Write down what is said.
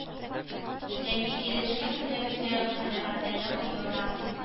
Ләкин ирешкән беләгенә канәгатьләнү ярамый